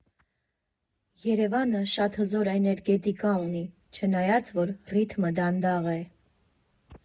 Երևանը շատ հզոր էներգետիկա ունի, չնայած որ ռիթմը դանդաղ է։